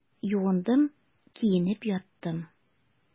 Юындым, киенеп яттым.